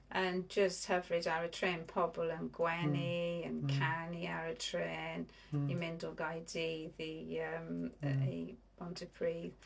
A'n jyst hyfryd ar y tren. Pobl yn gwenu, yn canu ar y trên i mynd o Gaerdydd i yym yy... i Bontypridd.